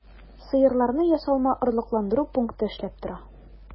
Сыерларны ясалма орлыкландыру пункты эшләп тора.